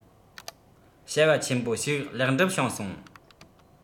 བྱ བ ཆེན པོ ཞིག ལེགས འགྲུབ བྱུང སོང